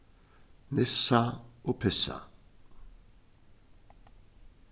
nissa og pissa